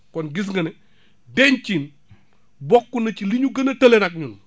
kon gis nga ne dencin bokk na ci lu ñu gën a tële nag ñun